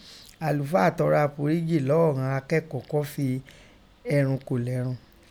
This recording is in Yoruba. Àlùfáà tọrọ àforíjì lọ́ọ́ ighọn akẹ́kọ̀ọ́ kọ́ fi ẹrun kò lẹ́run